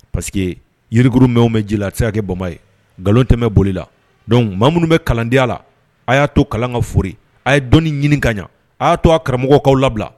Parceseke que yirikur mɛn mɛn jila se kɛ bamaba ye nkalon tɛ bɛ boli la donc ma minnu bɛ kalan diya la a y'a to kalan ka foli a ye dɔnni ɲini ka ɲɛ a y'a to a karamɔgɔkaw labila